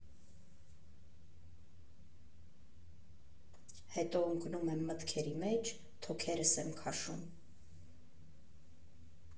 Հետո ընկնում եմ մտքերի մեջ, թոքերս եմ քաշում։